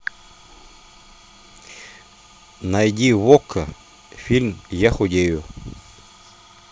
найди в окко фильм я худею